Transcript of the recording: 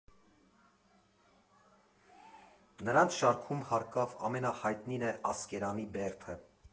Նրանց շարքում, հարկավ, ամենահայտնին է Ասկերանի բերդը։